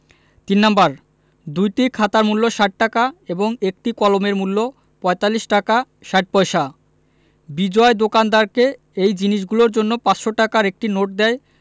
৩ number দুইটি খাতার মূল্য ৬০ টাকা এবং একটি কলমের মূল্য ৪৫ টাকা ৬০ পয়সা বিজয় দোকানদারকে এই জিনিসগুলোর জন্য ৫০০ টাকার একটি নোট দেয়